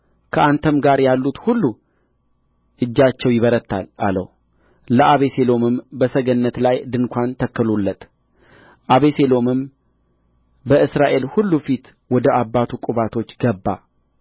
ከአንተም ጋር ያሉት ሁሉ እጃቸው ይበረታል አለው ለአቤሴሎምም በሰገነት ላይ ድንኳን ተከሉለት አቤሴሎምም በእስራኤል ሁሉ ፊት ወደ አባቱ ቁባቶች ገባ